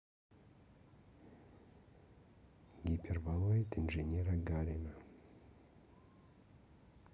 гиперболоид инженера гарина